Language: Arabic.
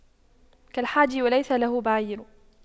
كالحادي وليس له بعير